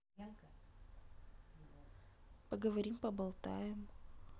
поговорим поболтаем